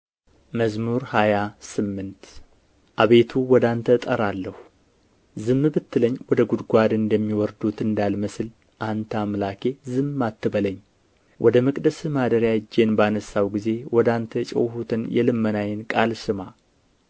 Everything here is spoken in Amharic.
መዝሙር ሃያ ስምንት አቤቱ ወደ አንተ እጠራለሁ ዝም ብትለኝ ወደ ጓድጓድ እንደሚወርዱት እንዳልመስል አንተ አምላኬ ዝም አትበለኝ ወደ መቅደስህ ማደሪያ እጄን ባነሣሁ ጊዜ ወደ አንተ የጮኽሁትን የልመናዬን ቃል ስማ